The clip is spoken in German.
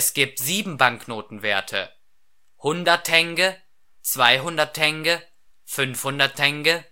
gibt sieben Banknotenwerte: 100 Tenge, 200 Tenge, 500 Tenge